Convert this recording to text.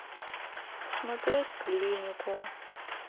смотреть клинику